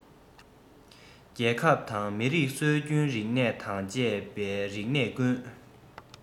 རྒྱལ ཁབ དང མི རིགས སྲོལ རྒྱུན རིག གནས དང བཅས པའི རིག གནས ཀུན